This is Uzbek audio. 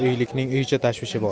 uylikning uycha tashvishi bor